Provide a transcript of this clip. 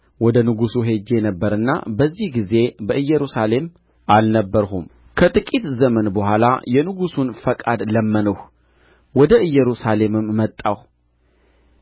ወደ ንጉሡ ሄጄ ነበርና በዚህ ጊዜ በኢየሩሳሌም አልነበርሁም ከጥቂት ዘመንም በኋላ የንጉሡን ፈቃድ ለመንሁ ወደ ኢየሩሳሌምም መጣሁ